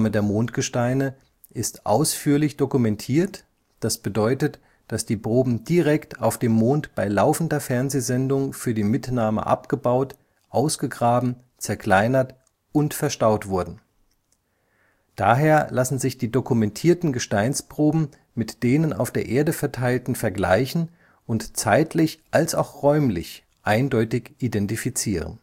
der Mondgesteine ist ausführlich dokumentiert, das bedeutet, dass die Proben direkt auf dem Mond bei laufender Fernsehsendung für die Mitnahme abgebaut, ausgegraben, zerkleinert und verstaut wurden. Daher lassen sich die dokumentierten Gesteinsproben mit denen auf der Erde verteilten vergleichen und zeitlich als auch räumlich eindeutig identifizieren